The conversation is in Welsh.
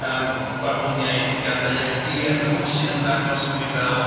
Yym barddoniaeth gan feirdd dienw sy'n ymddangos mwy fel...